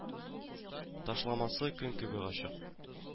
Ташламасы көн кебек ачык